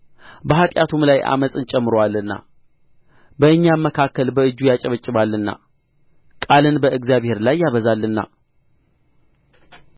በኃጢአቱም ላይ ዓመፅን ጨምሮአልና በእኛም መካከል በእጁ ያጨበጭባልና ቃልንም በእግዚአብሔር ላይ ያበዛልና